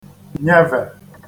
nyevè